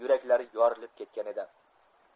yuraklari yorilib ketgan edi